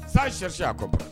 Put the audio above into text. Sans chercher à comprendre